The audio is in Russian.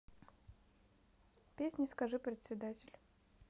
песня скажи председатель